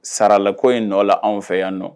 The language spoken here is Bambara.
Saralako in nɔ la anw fɛ yan nɔ